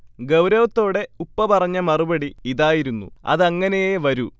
ഗൗരവത്തോടെ ഉപ്പ പറഞ്ഞ മറുപടി ഇതായിരുന്നു: അതങ്ങനെയേ വരൂ